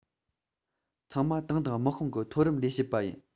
ཚང མ ཏང དང དམག དཔུང གི མཐོ རིམ ལས བྱེད པ ཡིན